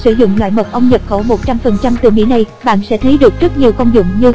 sử dụng loại mật ong nhập khẩu phần trăm từ mỹ này bạn sẽ thấy được rất nhiều công dụng như